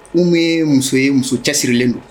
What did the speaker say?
U bɛ muso ye muso cɛsirilen don